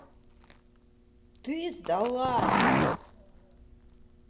ты сдалась